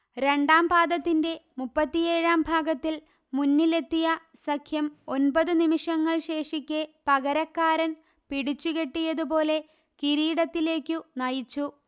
രണ്ടാം പാദത്തിന്റെ മുപ്പത്തിയേഴാം ഭാഗത്തിൽ മുന്നിലെത്തിയ സഖ്യം ഒന്പതു നിമിഷങ്ങൾ ശേഷിക്കേ പകരക്കാരൻപിടിച്ചു കെട്ടിയതുപോലെ കിരീടത്തിലേക്കു നയിച്ചു